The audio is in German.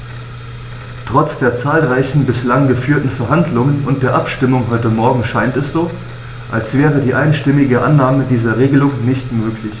Trotz der zahlreichen bislang geführten Verhandlungen und der Abstimmung heute Morgen scheint es so, als wäre die einstimmige Annahme dieser Regelung nicht möglich.